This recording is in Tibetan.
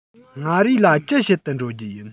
མངའ རིས ལ ཅི བྱེད དུ འགྲོ རྒྱུ ཡིན